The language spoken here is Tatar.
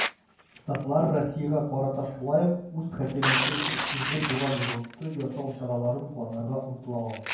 Штатлар Россиягә карата шулай ук үз хакимияте өчен сизгер булган йогынты ясау чараларын кулланырга омтылалар.